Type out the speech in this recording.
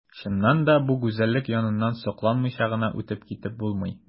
Чыннан да бу гүзәллек яныннан сокланмыйча гына үтеп китеп булмый.